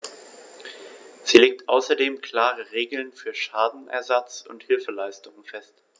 Sie legt außerdem klare Regeln für Schadenersatz und Hilfeleistung fest.